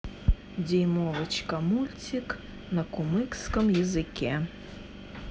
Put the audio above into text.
дюймовочка мультик на кумыкском языке